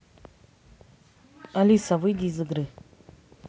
алиса выйди из игры